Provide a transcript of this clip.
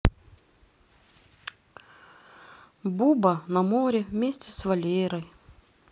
буба на море вместе с валерой